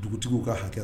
Dugutigi ka hakɛɛrɛ